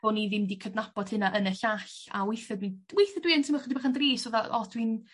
bo' ni ddim 'di cydnabod hynna yn y llall a weitha dwi'n weitha dwi yn teimlo chydig bach yn drist a fel o dwi'n